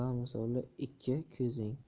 bamisoli ikki ko'zing